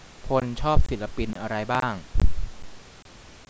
พลชอบศิลปินอะไรบ้าง